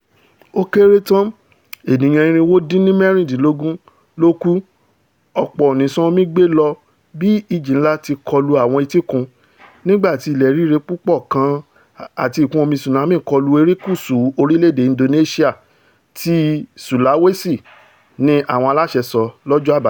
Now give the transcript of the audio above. Ó kéré tán ènìyàn irinwó-dínní-mẹ́rindínlógún ló kú, ọ̀pọ̀ nísàn omi gbé lọ bí ìjì ńlá ti kọlu àwọn etíkun. nígbàti ilẹ̀ rírì púpọ̀ kan àti ìkún-omi tsunami kọlu erékùsù orílẹ̀-èdè Indonesia ti Sulawesi, ni àwọn aláṣẹ sọ lọ́jọ́ Àbamẹ́ta.